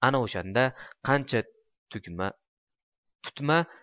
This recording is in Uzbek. ana o'shanda qancha tutma